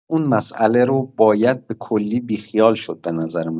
اون مسئله رو باید به‌کلی بی‌خیال شد به نظر من!